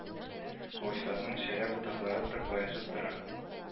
Агачларның шәрә ботаклары тырпаешып тора